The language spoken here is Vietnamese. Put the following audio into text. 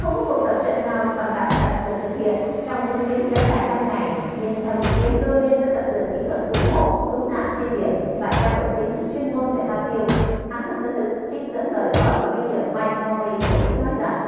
không có cuộc tập trận nào bằng đạn thật được thực hiện trong diễn biến kéo dài năm ngày nhưng theo dự kiến đôi bên sẽ tập dượt kỹ thuật cứu hộ cứu nạn trên biển và trao đổi kiến thức chuyên môn về hoa tiêu hãng thông tấn đức trích dẫn lời phó chỉ huy trưởng mai moóc ly của mỹ nói rằng